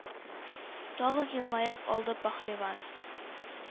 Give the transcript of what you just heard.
Тагын елмаеп алды пәһлеван.